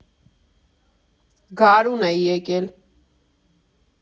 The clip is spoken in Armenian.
Գարուն է եկել։